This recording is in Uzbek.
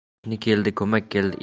qo'shni keldi ko'mak keldi